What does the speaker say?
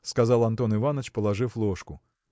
– сказал Антон Иваныч, положив ложку.